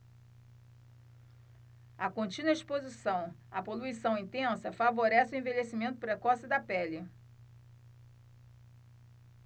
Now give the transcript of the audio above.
a contínua exposição à poluição intensa favorece o envelhecimento precoce da pele